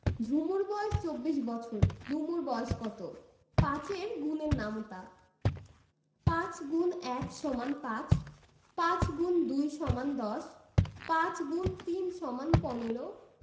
ঝুমুর বয়স ২৪ বছর রুমুর বয়স কত ৫ এর গুণের নামতা ৫× ১ = ৫ ৫× ২ = ১০ ৫× ৩ = ১৫